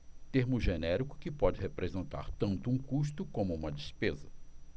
termo genérico que pode representar tanto um custo como uma despesa